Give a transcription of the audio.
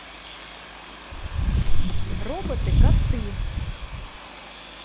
роботы как ты